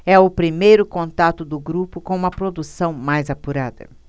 é o primeiro contato do grupo com uma produção mais apurada